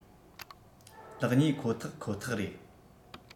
ལེགས ཉེས ཁོ ཐག ཁོ ཐག རེད